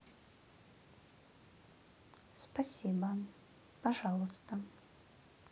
спасибо пожалуйста